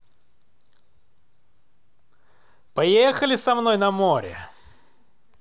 поехали со мной на море